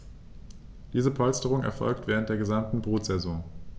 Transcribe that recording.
Diese Polsterung erfolgt während der gesamten Brutsaison.